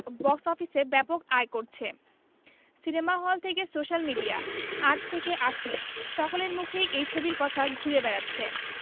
box অফিসে ব্যাপক আয় করছে সিনেমা হল থেকে সোশ্যাল মিডিয়া আট থেকে আশি সকলের মুখেই এই ছবির কথা ঘুরে বেড়াচ্ছে